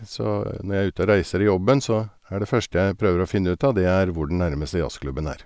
Så når jeg er ute og reiser i jobben så er det første jeg prøver å finne ut av, det er hvor den nærmeste jazzklubben er.